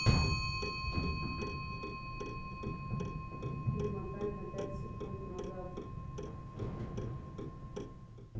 перемотай на пять секунд назад